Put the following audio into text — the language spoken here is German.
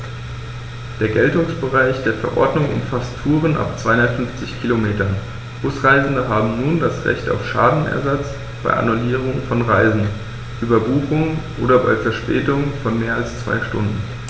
Der Geltungsbereich der Verordnung umfasst Touren ab 250 Kilometern, Busreisende haben nun ein Recht auf Schadensersatz bei Annullierung von Reisen, Überbuchung oder bei Verspätung von mehr als zwei Stunden.